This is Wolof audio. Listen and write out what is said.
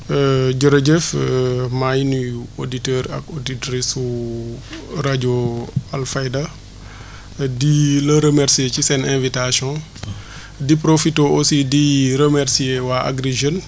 ë jërëjëf maa ngi nuyu auditeurs ak auditrices su rajo Alfayda di la remercier ci seen invitation di profité aussi di remercir waa Agri Jeunes